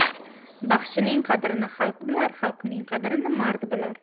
baxshining qadrini xalq bilar xalqning qadrini mard bilar